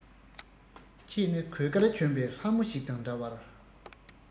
ཁྱེད ནི གོས དཀར གྱོན པའི ལྷ མོ ཞིག དང འདྲ བར